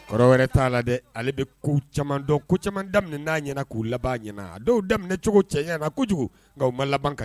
Kɔrɔ wɛrɛ t'a la dɛ ale bɛ ko camandɔ ko caman daminɛ n'a ɲɛna k'u laban ɲɛna dɔw daminɛcogo cɛ na kojugu nka labanka